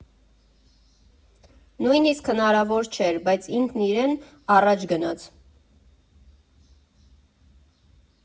Նույնիսկ հնարավոր չէր, բայց ինքն իրեն առաջ գնաց։